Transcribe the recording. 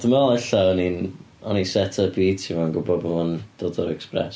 Dwi'n meddwl ella o'n i'n o'n i'n set up i heitio fo yn gwbod bod o'n dod o'r Express.